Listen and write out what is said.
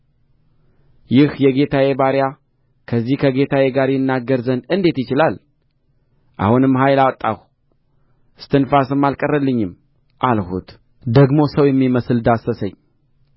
ይህ የጌታዬ ባሪያ ከዚህ ከጌታዬ ጋር ይናገር ዘንድ እንዴት ይችላል አሁንም ኃይል አጣሁ እስትንፋስም አልቀረልኝም አልሁት ደግሞ ሰው የሚመስል ዳሰሰኝ